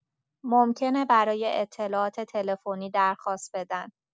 ممکنه برای اطلاعات تلفنی درخواست بدن.